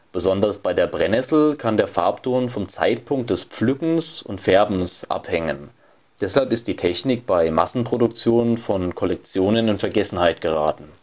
besonders bei der Brennnessel kann der Farbton vom Zeitpunkt des Pflückens und Färbens abhängen, deshalb ist die Technik bei Massenproduktion von Kollektionen in Vergessenheit geraten